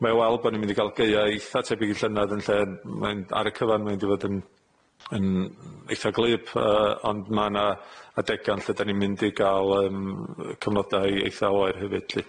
mae o' weld bo' ni'n mynd i ga'l gaea eitha tebyg i llynedd yn lle mae'n ar y cyfan mae'n mynd i fod yn yn eitha g'lyb yy ond ma' 'na adega lle 'dan ni'n mynd i ga'l yym cyfnodau eitha oer hefyd lly.